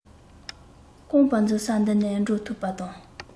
རྐང པ འཛུགས ས འདི ནས འགྲོ ཐུབ པ དང